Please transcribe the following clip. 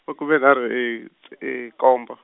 makume nharhu tsh- nkombo.